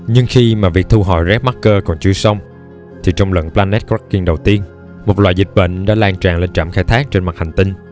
nhưng khi mà việc thu hồi red marker còn chưa xong thì trong lần planet cracking đầu tiên một loại dịch bệnh đã lan tràn lên trạm khai thác trên mặt hành tinh